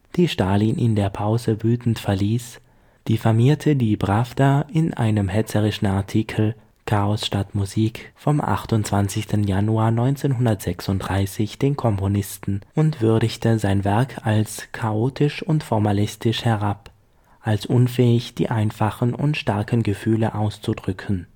die Stalin in der Pause wütend verließ, diffamierte die Prawda in einem hetzerischen Artikel („ Chaos statt Musik “) vom 28. Januar 1936 den Komponisten und würdigte sein Werk als chaotisch und formalistisch herab, als unfähig, die einfachen und starken Gefühle auszudrücken